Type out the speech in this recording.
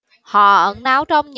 họ ẩn náu trong